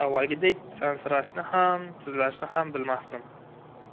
avvalgidek sansirashni ham sizlashni ham bilmasdim